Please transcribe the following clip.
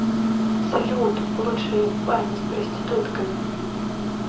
салют лучшие бани с проститутками